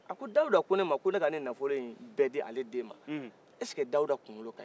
a ko dawuda ko ne ma ko ne ka nin nafolo bɛɛ d' ale den ma est-ce que dawuda kun kolo kaɲi